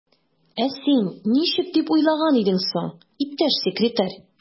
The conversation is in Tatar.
Ә син ничек дип уйлаган идең соң, иптәш секретарь?